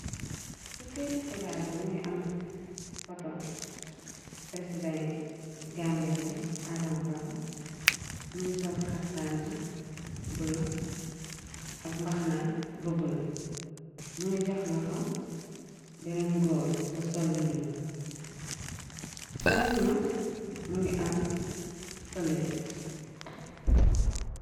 Ci këyti xibaar bi mi ngi am photo president gambia bi, Adama Barrow. Mungi sol xaftaan bu bula ak mbaxna bu bula, mi ngi jox laxo beneen goor bu sol lu ñuul, ci ron nak mu ngi am police.